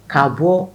K ka bɔ